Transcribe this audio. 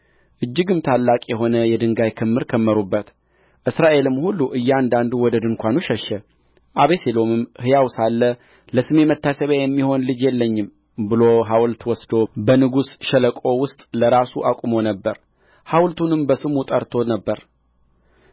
እጅግም ታላቅ የሆነ የድንጋይ ክምር ከመሩበት እስራኤልም ሁሉ እያንዳንዱ ወደ ድንኳኑ ሸሸ አቤሴሎምም ሕያው ሳለ ለስሜ መታሰቢያ የሚሆን ልጅ የለኝም ብሎ ሃውልት ወስዶ በንጉሥ ሸለቆ ውስጥ ለራሱ አቁሞ ነበር ሃውልቱንም በስሙ ጠርቶት ነበር